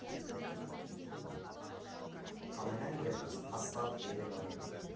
Համենայն դեպս, հաստա՛տ Երևանում։